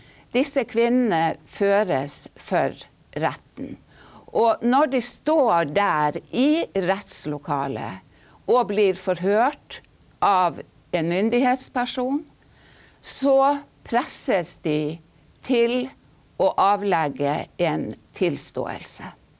disse kvinnene føres for retten, og når de står der i rettslokalet og blir forhørt av en myndighetsperson så presses de til å avlegge en tilståelse.